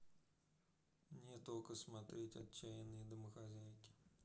нет окко смотреть отчаянные домохозяйки